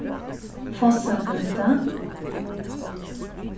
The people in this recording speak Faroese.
fossagøta